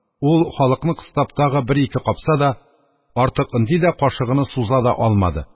Ул, халыкны кыстап тагы бер-ике капса да, артык өнди дә, кашыгыны суза да алмады.